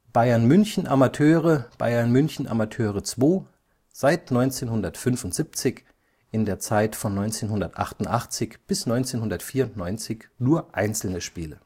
Bayern München Amateure/II: seit 1975, von 1988 bis 1994 nur einzelne Spiele